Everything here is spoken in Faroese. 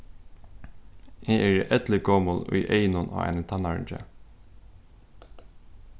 eg eri elligomul í eygunum á einum tannáringi